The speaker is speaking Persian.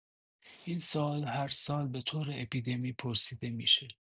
این سوال هر سال به‌طور اپیدمی پرسیده می‌شه